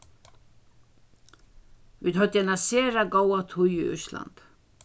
vit høvdu eina sera góða tíð í íslandi